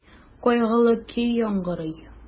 Кайгылы көй яңгырый.